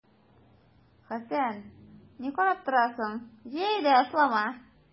Хәсән, ни карап торасың, җый әйдә ашлама!